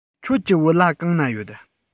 ཁྱོད ཀྱི བོད ལྭ གང ན ཡོད